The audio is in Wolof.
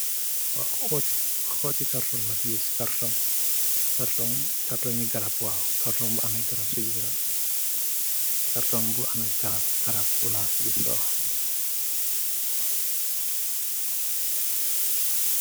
Xoti karton la fi gis, karton bu ameh garab si birr ram.